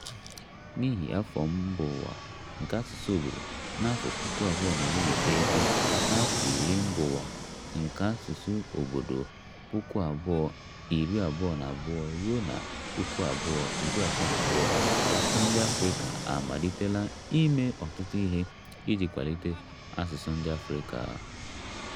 N'ihi afọ mba ụwa nke asụsụ obodo n'afọ 2019 na afọ iri mba ụwa nke asụsụ obodo 2022-2032, ọtụtụ ndị Afrịka amalitela ime ọtụtụ ihe iji kwalite asụsụ ndị Afrịka.